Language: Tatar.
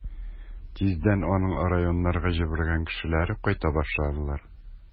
Тиздән аның районнарга җибәргән кешеләре кайта башладылар.